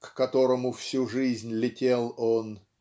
к которому всю жизнь летел он